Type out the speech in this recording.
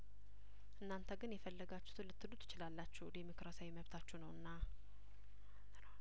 እናንተ ግን የፈልጋችሁትን ልትሉ ትችላላችሁ ዴሞክራሲያዊ መብታችሁ ነውና